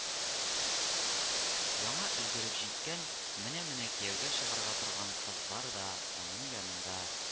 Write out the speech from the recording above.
Яңа өлгереп җиткән, менә-менә кияүгә чыгарга торган кызлар да аның янында